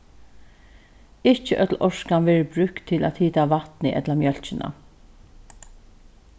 ikki øll orkan verður brúkt til at hita vatnið ella mjólkina